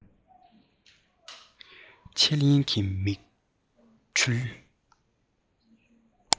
འཆལ ཡན གྱི མིག འཕྲུལ